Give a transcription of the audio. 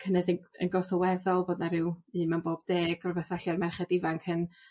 cynyddu'n yn go sylweddol bod 'na rhyw un mewn bob deg rwbeth felly o'r merched ifanc hyn